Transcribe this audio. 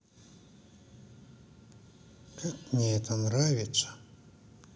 как мне это нравится